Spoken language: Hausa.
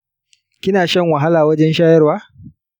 kina shan wahala wajen shayarwa